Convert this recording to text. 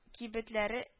Кибетләре